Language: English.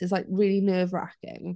It's, like, really nerve-wracking.